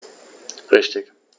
Richtig